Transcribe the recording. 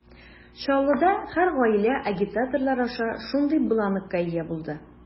Чаллыда һәр гаилә агитаторлар аша шундый бланкка ия булды.